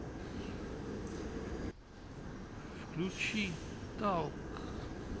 включи талк